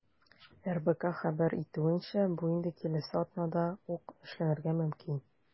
РБК хәбәр итүенчә, бу инде киләсе атнада ук эшләнергә мөмкин.